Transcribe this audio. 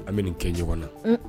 An be nin kɛ ɲɔgɔn na unh